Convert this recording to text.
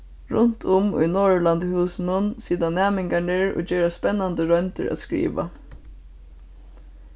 runt um í norðurlandahúsinum sita næmingarnir og gera spennandi royndir at skriva